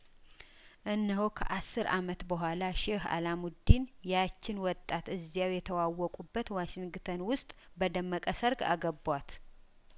እነሆ ከአስር አመት በኋላ ሼህ አላሙዲን ያቺን ወጣት እዚያው የተዋወቁበት ዋሽንግተን ውስጥ በደመቀ ሰርግ አገቧት